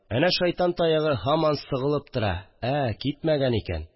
Әнә шайтан таягы һаман сыгылып тора, ә, китмәгән икән